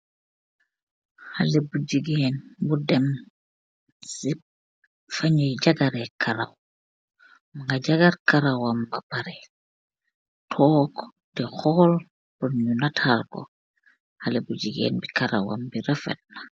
Haleh bu jigeen bu dem ci fahnjui jahgareh karaw, munga jahgarre karawam ba pareh tok di hol pur nju natal kor, haleh bu jigeen bi karawam bi rafet na.